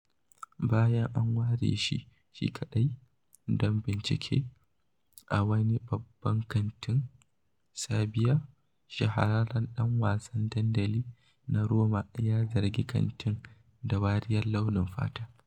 Bayan an ware shi shi kaɗai don bincike a wani babban kantin Serbia, shahararren ɗan wasan dandali na Roma ya zargi kantin da wariyar launin fata.